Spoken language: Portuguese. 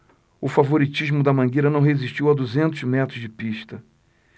o favoritismo da mangueira não resistiu a duzentos metros de pista